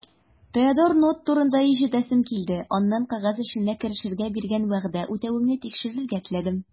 Теодор Нотт турында ишетәсем килде, аннан кәгазь эшенә керешергә биргән вәгъдә үтәвеңне тикшерергә теләдем.